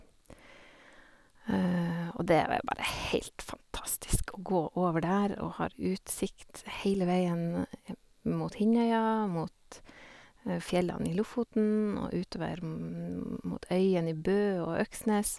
Og det er vel bare helt fantastisk å gå over der og har utsikt hele veien mot Hinnøya, mot fjellene i Lofoten, og utover mot øyene i Bø og Øksnes.